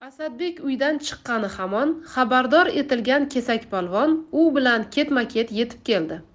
asadbek uydan chiqqani hamon xabardor etilgan kesakpolvon u bilan ketma ket yetib keldi